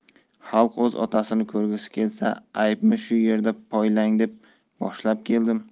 xalq o'z otasini ko'rgisi kelsa aybmi shu yerda poylang deb boshlab keldim